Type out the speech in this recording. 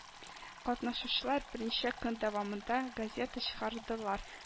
Катнашучылар берничә көн дәвамында газета чыгардылар